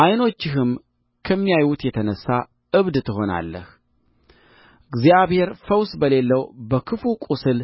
ዓይኖችህም ከሚያዩት የተነሣ ዕብድ ትሆናለህ እግዚአብሔር ፈውስ በሌለው በክፉ ቍስል